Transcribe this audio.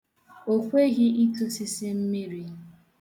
O kweghi ịtụsịsị mmiri.